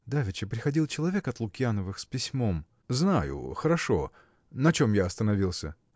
– Давеча приходил человек от Лукьяновых с письмом. – Знаю; хорошо. На чем я остановился?